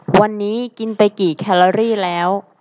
วันนี้กินไปกี่แคลอรี่แล้ว